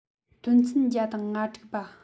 དོན ཚན བརྒྱ དང ང དྲུག པ